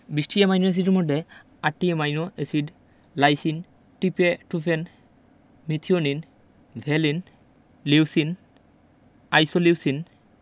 ২০টি অ্যামাইনো এসিডের মধ্যে ৮টি amino acid lysine tryptophan methionine valine leucine isoleucine